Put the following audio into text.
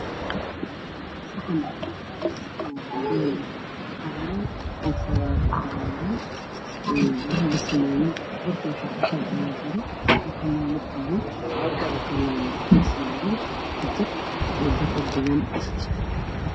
Meeshan waxaba kaba fahnin wxa meesha kamiuqda vardan guban